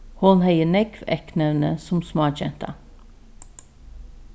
hon hevði nógv eyknevni sum smágenta